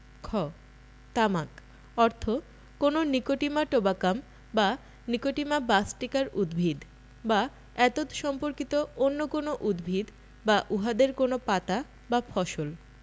খ তামাক অর্থ কোন নিকোটিমা টোবাকাম বা নিকোটিমা বাসটিকার উদ্ভিদ বা এতদসম্পর্কিত অন্য কোন উদ্ছিদ বা উহাদের কোন পাতা বা ফসল